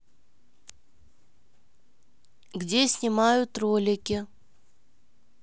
где снимают ролики